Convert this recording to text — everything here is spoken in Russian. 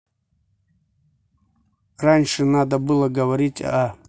раньше надо было говорить а